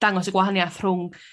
dangos y gwahaniath rhwng